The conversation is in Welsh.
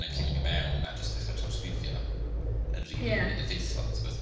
yn gallu mynd i mewn a jyst dechrau trawsgrifio yn rili... ia. ...effeithlon tibod?